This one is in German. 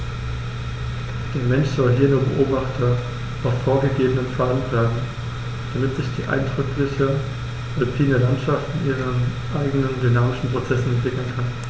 Der Mensch soll hier nur Beobachter auf vorgegebenen Pfaden bleiben, damit sich die eindrückliche alpine Landschaft in ihren eigenen dynamischen Prozessen entwickeln kann.